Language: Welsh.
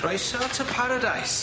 Croeso to paradise.